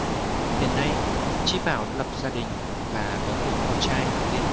hiện nay chi bảo đã lập gia đình và có một con trai tên